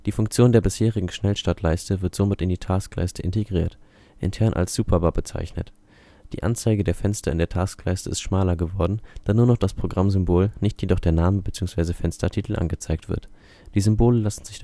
Funktion der bisherigen Schnellstartleiste wird somit in die Taskleiste integriert (intern als „ Superbar “bezeichnet). Die Anzeige der Fenster in der Taskleiste ist schmaler geworden da nur noch das Programmsymbol, nicht jedoch der Name bzw. Fenstertitel angezeigt wird. Die Symbole lassen sich